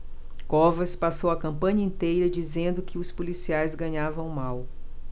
covas passou a campanha inteira dizendo que os policiais ganhavam mal